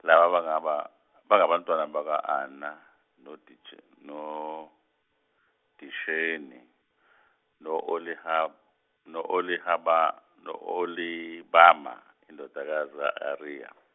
laba bangaba- bangabantwana baka- Anna nodishe- no- Disheni no- oliha- no- Olihabha- no- Olibhama indodakazi ka- Ariya.